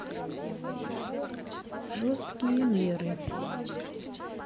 жесткие меры